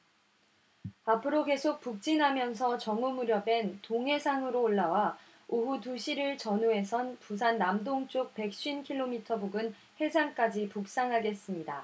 앞으로 계속 북진하면서 정오 무렵엔 동해상으로 올라와 오후 두 시를 전후해선 부산 남동쪽 백 쉰 킬로미터 부근 해상까지 북상하겠습니다